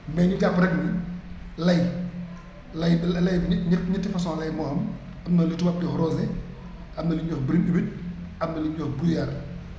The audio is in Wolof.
mais ñu jàpp rekk ni lay lay lay bi ñetti façons lay moo am am na lu tubaab di wax rosée am na lu ñuy wax brut humide am na lu ñuy wax broullard